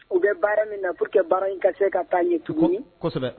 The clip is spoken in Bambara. U bɛ baara min na pour que baara in ka se ka taa ɲɛ tugun.